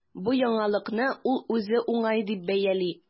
Бу яңалыкны ул үзе уңай дип бәяли.